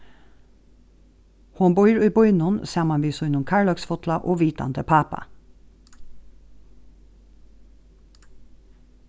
hon býr í býnum saman við sínum kærleiksfulla og vitandi pápa